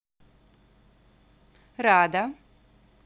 рада